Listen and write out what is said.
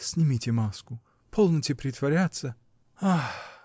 — Снимите маску, полноте притворяться. — Ах!